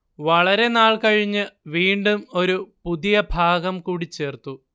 വളരെ നാൾ കഴിഞ്ഞ് വീണ്ടും ഒരു പുതിയ ഭാഗം കൂടി ചേർത്തു